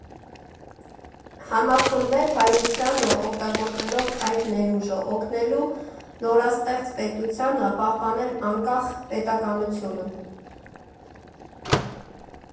Համախմբել հայությանը, օգտագործելով այդ ներուժը՝ օգնելու նորաստեղծ պետությանը պահպանել անկախ պետականությունը։